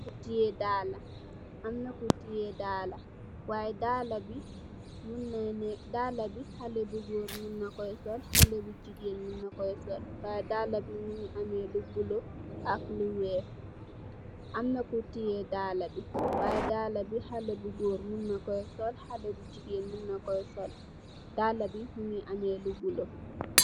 Am na ku teyeh dalla, way dalla bi xalèh bu gór mun na Koy sol, xalèh bu jigeen mun na Koy sol. Dalla bi mugii ameh lu bula ak lu wèèx. Dalla la bi mugii ameh lu bula.